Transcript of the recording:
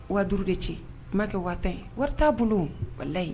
Wadu de cɛ n m'a kɛ waa tan in wari t' bolo walalayi